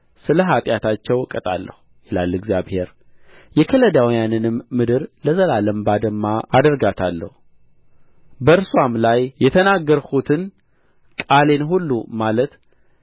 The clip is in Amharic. ስለ ኃጢአታቸው እቀጣለሁ ይላል እግዚአብሔር የከለዳውያንንም ምድር ለዘላለም ባድማ አደርጋታለሁ በእርስዋም ላይ የተናገርሁትን ቃሌን ሁሉ ማለት